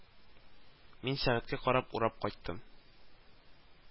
Мин сәгатькә карап урап кайттым